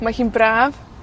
ma' hi'n braf.